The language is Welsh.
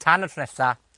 Tan y tro nesa,